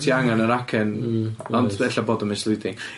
Ti angen yr acen... Hmm reit. ...ond ella bod yn misleading.